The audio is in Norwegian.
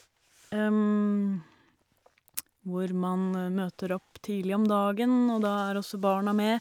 Hvor man møter opp tidlig om dagen, og da er også barna med.